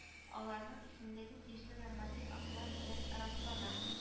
Аларның исемлеге тиешле норматив актлар белән раслана